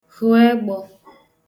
hù egbọ̄